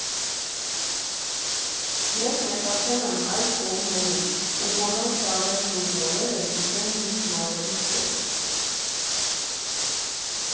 Ես մեծացել եմ այս կողմերում ու բոլոր սարերն ու ձորերը գիտեմ հինգ մատներիս պես։